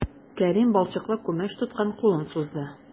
Кәрим балчыклы күмәч тоткан кулын сузды.